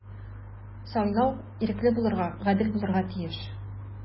Сайлау ирекле булырга, гадел булырга тиеш.